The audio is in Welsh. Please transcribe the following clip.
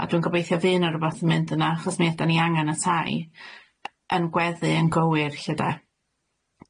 a dwi'n gobeithio fydd 'na rwbath yn mynd yna achos mi ydan ni angan y tai yy yn gweddu yn gywir 'lly 'de?